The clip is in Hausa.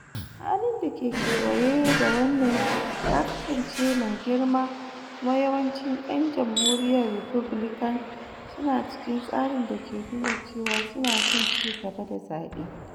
Halin da ke kewaye da wannan ya kasance mai girma, kuma yawancin 'yan Jamhuriyyar Republican su na cikin tsarin dake nuna cewa su na son ci gaba da zabe.